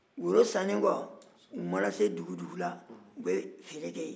woro sannen kɔ u mana se dugu o dugu la u bɛ feere kɛ yen